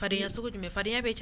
Fadenyaya sogo jumɛn fadenyaya bɛ cɛ